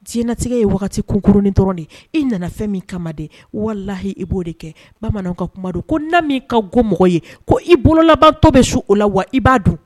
Diɲɛɲɛnatigɛ ye kunkurunin dɔrɔn de i nana fɛn min kama de walalahi i'o de kɛ bamanan ka kuma don ko na min ka ko mɔgɔ ye ko i bolo labantɔ bɛ su o la wa i b'a don